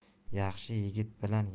yaxshi yigit bilan